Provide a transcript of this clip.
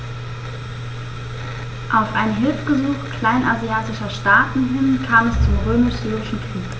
Auf ein Hilfegesuch kleinasiatischer Staaten hin kam es zum Römisch-Syrischen Krieg.